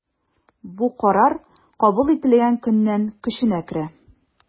Бу карар кабул ителгән көннән көченә керә.